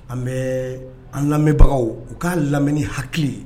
An bɛ an lamɛnbagaw u ka lamni hakili